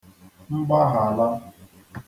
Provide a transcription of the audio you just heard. mgbaghàla